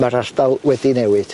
Ma'r ardal wedi newid.